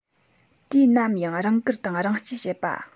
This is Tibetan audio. དུས ནམ ཡང རང བཀུར དང རང གཅེས བྱེད པ